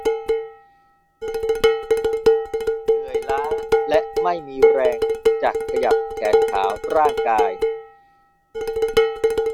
เหนื่อยล้าและไม่มีแรงจะขยับแขนขาร่างกาย